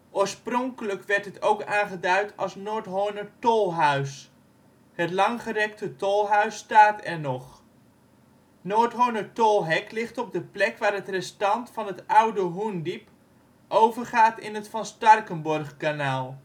Oorspronkelijk werd het ook aangeduid als Noordhorner Tolhuis. Het langgerekte tolhuis staat er nog. Noordhornertolhek ligt op de plek waar het restant van het oude Hoendiep overgaat in het Van Starkenborghkanaal